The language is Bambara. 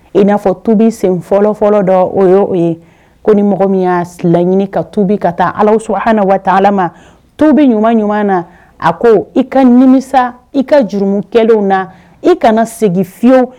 I n'a fɔ tubi sen fɔlɔfɔlɔ dɔ, o y'o ye ko ni mɔgɔ min y'a sira ɲini ka tubi ka taa allahu subuhaana wa taala ma tubi ɲuman ɲuman na, a ko i ka nimisa i ka jurumikɛlew na, i kana segin fiyewu.